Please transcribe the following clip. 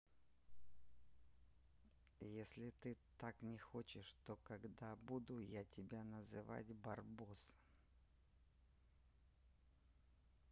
если ты так не хочешь то когда буду я тебя называть барбос